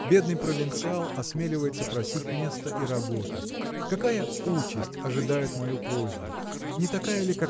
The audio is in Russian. Бедный провинциал осмеливается просить места и работы. Какая участь ожидает мою просьбу? Не такая ли